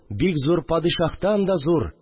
Бик зур падишаһтан да зур